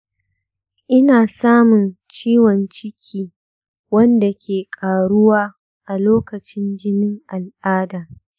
ina samun ciwon ciki wanda ke ƙaruwa a lokacin jinin al’adata.